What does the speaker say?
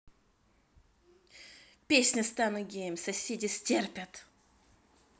песня стану геем соседи стерпят